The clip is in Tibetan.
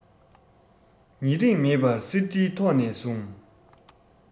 ཉེ རིང མེད པར གསེར ཁྲིའི ཐོགས ནས བཟུང